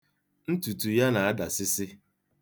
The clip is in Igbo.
Ntutu ya na-adasịsị.